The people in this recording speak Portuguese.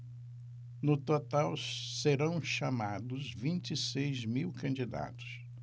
no total serão chamados vinte e seis mil candidatos